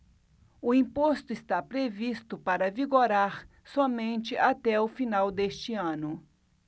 o imposto está previsto para vigorar somente até o final deste ano